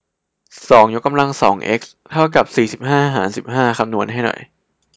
สองยกกำลังสองเอ็กซ์เท่ากับสี่สิบห้าหารสิบห้าคำนวณให้หน่อย